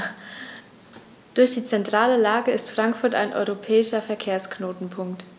Durch die zentrale Lage ist Frankfurt ein europäischer Verkehrsknotenpunkt.